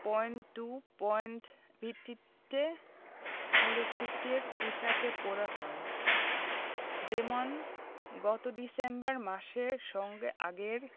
point to point ভিত্তিতে মূল্যস্ফীতির হিসাব করা হয় যেমন গত ডিসেম্বর মাসের সঙ্গে আগের